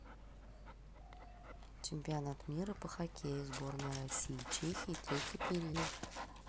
чемпионат мира по хоккею сборная россии чехии третий период